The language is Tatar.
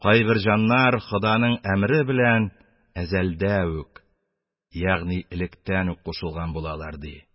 Кайбер җаннар ходаның әмере белән әзәлдә үк ягъни теректә кушылган булалар, ди.